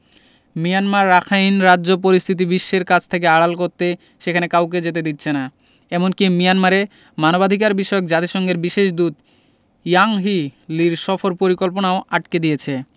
Myanmar Rakhine রাজ্য পরিস্থিতি বিশ্বের কাছ থেকে আড়াল করতে সেখানে কাউকে যেতে দিচ্ছে না এমনকি মিয়ানমারে মানবাধিকারবিষয়ক জাতিসংঘের বিশেষ দূত ইয়াংহি লির সফর পরিকল্পনাও আটকে দিয়েছে